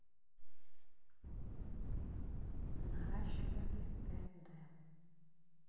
наращивание пять д